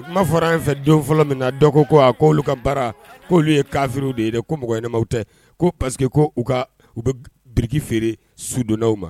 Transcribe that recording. Kuma fɔra an fɛ don fɔlɔ min na dɔ ko ko olu ka baara ko olu ye kafiriw de ye dɛ ko mɔgɔ ɲɛnamaw tɛ ko parce que ko u bɛ brique feere sudonaw ma.